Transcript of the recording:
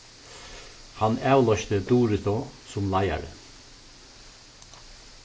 hann avloysti duritu sum leiðari